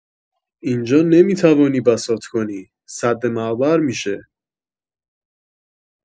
اینجا نمی‌توانی بساط کنی سدمعبر می‌شه